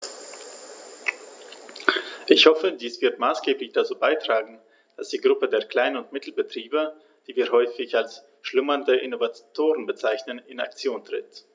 Ich hoffe, dies wird maßgeblich dazu beitragen, dass die Gruppe der Klein- und Mittelbetriebe, die wir häufig als "schlummernde Innovatoren" bezeichnen, in Aktion tritt.